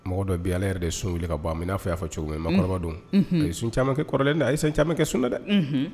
Mɔgɔ dɔ bɛ yen Ala yɛrɛ de sun wili ka bɔ a ma. I n'a fɔ, i y'a fɔ cogo min. Unhun! Mɔgɔkɔrɔba don. Unhun! A ye sun caaman kɛ kɔrɔlen dɛ, a ye san caaman kɛ sun na dɛ. Unhun!